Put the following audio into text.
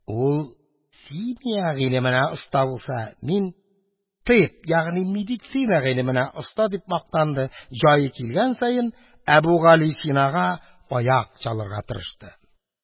«ул симия гыйлеменә оста булса, мин тыйб гыйлеменә оста», – дип мактанды, җае килгән саен, әбүгалисинага аяк чалырга тырышты.